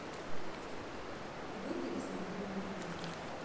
выйди в основное меню